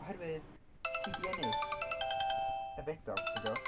Oherwydd ti 'di ennill y fedal ti'n gwbod?